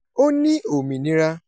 Ó ní òmìnira.